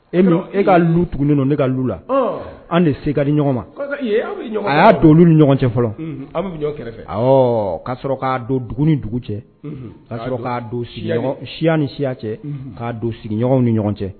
E ka lu tugunen don ne ka dun la, ɔnn, an de se ka di ɲɔgɔn ma, ee kosɛbɛ, aw de bɛ ɲgn kɛrɛ fɛ, a y'a don ne ni olu ni ɲɔgɔn cɛ fɔlɔ, aw minnu bɛ ɲɔgɔn kɛrɛ fɛ, awɔɔ, ka sɔrɔ k'a don dugu ni dugu cɛ, ka sɔrɔ k'a don siyaw ni siyaw ni ɲɔgɔ cɛ, unhun , ka sɔrɔ k'a don sigiɲɔgɔnw ni ɲɔgɔn cɛ§